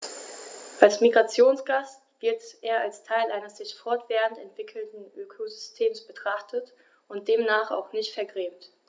Als Migrationsgast wird er als Teil eines sich fortwährend entwickelnden Ökosystems betrachtet und demnach auch nicht vergrämt.